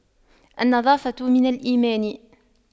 النظافة من الإيمان